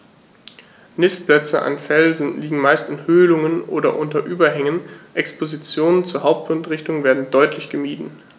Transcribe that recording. Nistplätze an Felsen liegen meist in Höhlungen oder unter Überhängen, Expositionen zur Hauptwindrichtung werden deutlich gemieden.